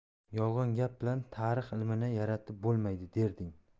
yolg'on gap bilan tarix ilmini yaratib bo'lmaydi derding